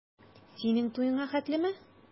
Синең туеңа хәтлеме?